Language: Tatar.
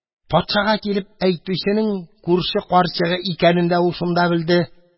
Патшага килеп әйтүченең күрше карчыгы икәнен дә ул шунда белде.